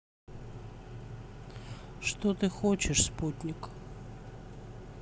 что ты хочешь спутник